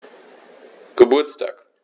Geburtstag